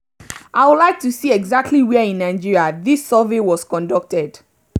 I'd like to see exactly WHERE in Nigeria this survey was conducted.